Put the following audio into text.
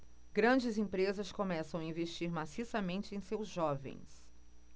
grandes empresas começam a investir maciçamente em seus jovens